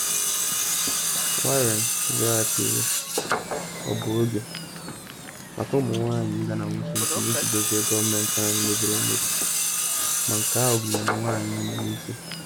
Warren zaghachiri ọ bụ oge “maka ụmụ nwanyị ịga na Washington iji dozie gọọmentị anyị mebiri emebi, ma nke ahụ gụnyere nwanyị ịnọ n’isi.”